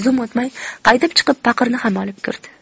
zum o'tmay qaytib chiqib paqirni ham olib kirdi